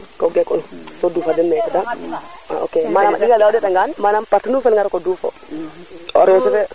ko geek un so dufa den meke dal a ok a ɗinga le o ndeta ngaan manam partie nu fel nga o dufo arroser fe